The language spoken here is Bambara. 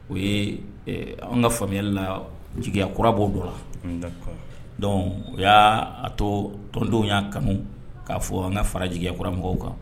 O ye anw ka faamuyali la jiguya kura b'o nɔ na, un d'accord, donc o y'a to tɔndenw y'a kanu k'a fɔ an ka fara jigiya kuraɔ mɔgɔw kan